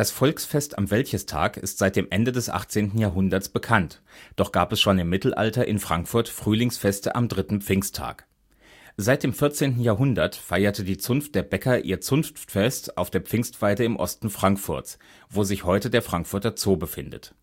Volksfest am Wäldchestag ist seit dem Ende des 18. Jahrhunderts bekannt, doch gab es schon im Mittelalter in Frankfurt Frühlingsfeste am dritten Pfingsttag. Seit dem 14. Jahrhundert feierte die Zunft der Bäcker ihr Zunftfest auf der Pfingstweide im Osten Frankfurts, wo sich heute der Frankfurter Zoo befindet